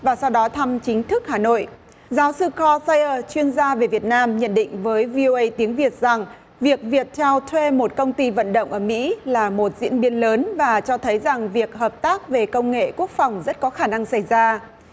và sau đó thăm chính thức hà nội giáo sư co thây ơ chuyên gia về việt nam nhận định với vi ô ây tiếng việt rằng việc việt theo thuê một công ty vận động ở mỹ là một diễn biến lớn và cho thấy rằng việc hợp tác về công nghệ quốc phòng rất có khả năng xảy ra